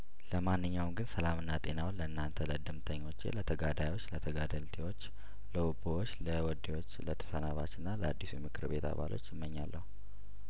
ለማንኛውም ግን ሰላምና ጤናውን ለእናንተ ለእድምተኞቼ ለተጋዳዮች ለተጋደልቲዎች ለኦቦዎች ለወዲዎች ለተሰናባችና ለአዲሱ የምክር ቤት አባሎች እመ ኛለሁ